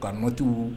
Ka nɔti